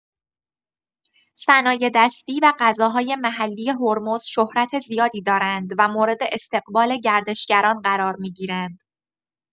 صنایع‌دستی و غذاهای محلی هرمز شهرت زیادی دارند و مورد استقبال گردشگران قرار می‌گیرند.